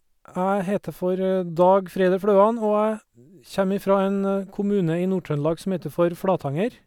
Jeg heter for Dag Freider Fløan, og jeg kjem ifra en kommune i Nord-Trøndelag som heter for Flatanger.